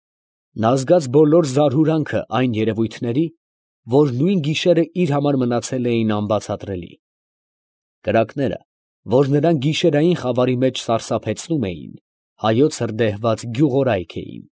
Նա զգաց բոլոր զարհուրանքը այն երևույթների, որ նույն գիշերն իր համար մնացել էին անբացատրելի։ ֊ Կրակները, որ նրան գիշերային խավարի մեջ սարսափեցնում էին, հայոց հրդեհված գյուղորայք էին։